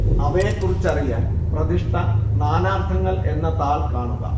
അവയെക്കുറിച്ചറിയാൻ പ്രതിഷ്ഠ നാനാർത്ഥങ്ങൾ എന്ന താൾ കാണുക